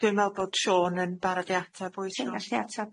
Yym dwi'n me'wl bod Siôn yn barodi atab wyt Siôn?